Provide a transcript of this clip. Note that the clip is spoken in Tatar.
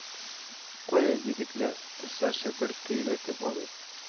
Кая, егетләр, дусларча бер көйрәтеп алыйк